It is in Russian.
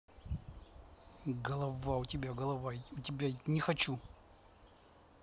голова у тебя голова у тебя не хочу